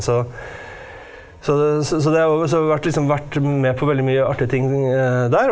så så det så så det er jo også vært litt sånn vært med på veldig mye artige ting der.